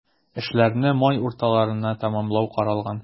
Эшләрне май урталарына тәмамлау каралган.